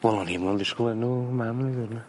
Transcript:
Wel o'n i 'im ond disgwl enw mam i ddweu y gwir.